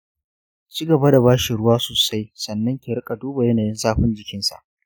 ci gaba da ba shi ruwa sosai sannan ka riƙa duba yanayin zafin jikinsa